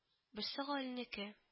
- берсе галинеке